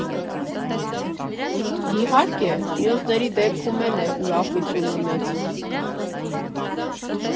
Իհարկե, մյուսների դեպքում էլ է ուրախությունը մեծ։